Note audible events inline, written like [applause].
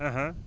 [hesitation] [hesitation]